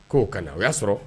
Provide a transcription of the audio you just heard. K'o ka na o y'a sɔrɔ